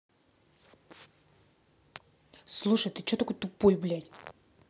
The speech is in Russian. слушай ты че такой тупой блять